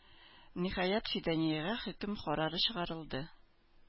Ниһаять, Фиданиягә хөкем карары чыгарылды.